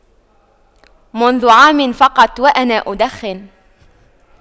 منذ عام فقط وأنا أدخن